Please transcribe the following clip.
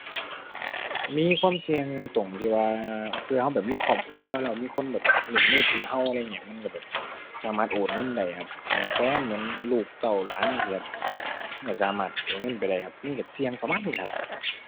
มีความเสี่ยงตรงที่ว่าเผื่อเราแบบมีครอบครัว แล้วมีคนที่แบบเล่นมือถือเราอะไรอย่างเงี้ยมันเราแบบ สามารถโอนเงินได้ครับ เหมือนแฟน เหมือนลูกเต้า หลานจั่งซี้ครับ มันเราสามารถโอนเงินไปได้ครับ มีเราเสี่ยงประมาณนี้ล่ะครับ จำเป็น